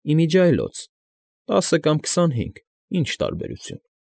Ի միջիայլոց, տասը թե քսանհինգ՝ ի՞նչ տարբերություն։